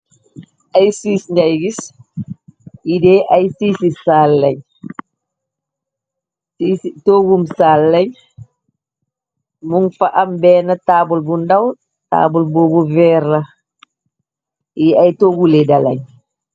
Ay siis njay gis, idee ay, itoogum saal lañ, mun fa am been taabul bu ndàw, taabul boobu verra yi, ay toggule dalañ.